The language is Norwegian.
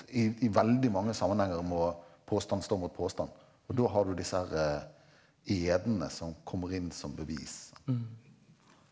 i i veldig mange sammenhenger må påstand stå mot påstand og da har du disse herre edene som kommer inn som bevis.